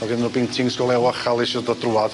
O'dd gennyn nw beintings go lew o ychal isio dod drwadd.